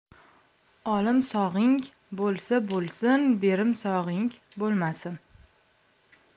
olimsog'ing bo'lsa bo'lsin berimsog'ing bo'lmasin